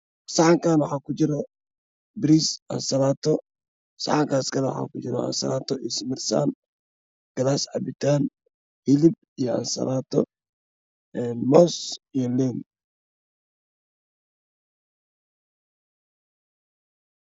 Saxankan waxa ku jiro baris ansalato saxankas kale waxaa ku jiro ansalato iyo simirsan galas cabitaan hilib iyo ansalato moos iyo liin